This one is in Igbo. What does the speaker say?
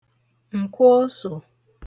nkwọosò